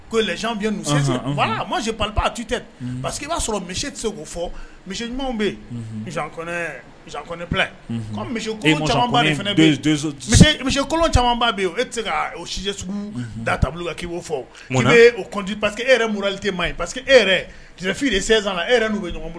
Ko masi pa ti tɛ pa parceseke i b'a sɔrɔ misi tɛ se k'o fɔ misi ɲuman bɛ yen misi donso misi kolo caman' e tɛ ka si sugu da taabolo k'o fɔ pa que e yɛrɛ muruli te ma ye pariseke e yɛrɛ kifi de sensan e yɛrɛ n bɛ ɲɔgɔn bolo